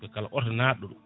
e kala auto nanɗo ɗo